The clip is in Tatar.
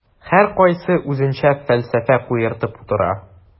Һәркайсы үзенчә фәлсәфә куертып утыра.